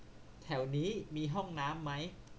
แถวนี้มีห้องน้ำมั้ย